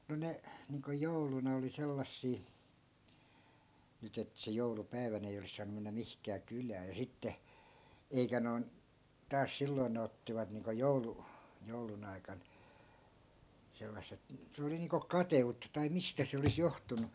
no ne niin kuin jouluna oli sellaisia nyt että se joulupäivänä ei olisi saanut mennä mihinkään kylään ja sitten eikä noin taas silloin ne ottivat niin kuin - joulun aikana sellaiset se oli niin kuin kateutta tai mistä se olisi johtunut